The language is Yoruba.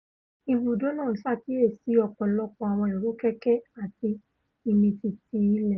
Ibùdó náà ń ṣàkíyèsí ọ̀pọ̀lọpọ̀ àwọn ìrọ́kẹ̀kẹ̀ àti ìmìtìtì ilẹ̀.